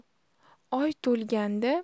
oy to'lganda